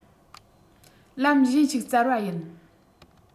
ལམ གཞན ཞིག བཙལ བ ཡིན